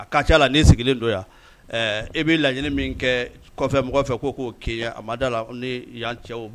A ka ca la n'i sigilen don yan e bɛi laɲini min kɛ kɔfɛ mɔgɔ fɛ k ko k'o keɲɛ a mada la ni yan cɛ o